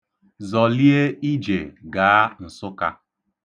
Zọlie ije gaa Nsụka.